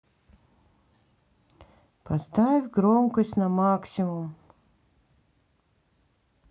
поставь громкость на максимум